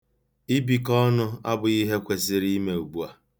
Ibikọ ọnụ abụghị ihe ha kwesịrị ime ugbu a.